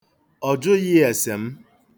Ọ jụghị ase m.